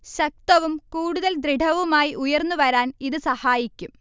ശക്തവും കൂടുതൽ ദൃഡവുമായി ഉയർന്നു വരാൻ ഇത് സഹായിക്കും